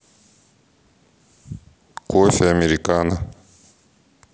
кофе американо